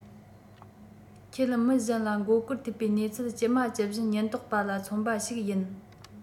ཁྱེད མི གཞན ལ མགོ སྐོར ཐེབས པའི གནས ཚུལ ཇི མ ཇི བཞིན ཉེན རྟོག པ ལ མཚོན པ ཞིག ཡིན